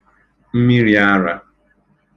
mmirīara